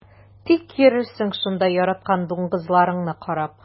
Тик йөрерсең шунда яраткан дуңгызларыңны карап.